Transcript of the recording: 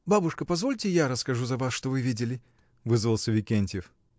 — Бабушка, позвольте, я расскажу за вас, что вы видели? — вызвался Викентьев.